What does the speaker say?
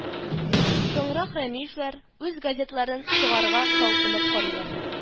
Соңрак Рәмиевләр үз газеталарын чыгарырга талпынып карыйлар